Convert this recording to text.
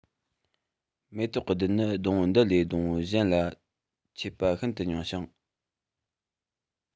མེ ཏོག གི རྡུལ ནི སྡོང བོ འདི ལས སྡོང བོ གཞན ལ མཆེད པ ཤིན ཏུ ཉུང ཞིང